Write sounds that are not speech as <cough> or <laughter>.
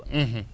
<hesitation> <hesitation>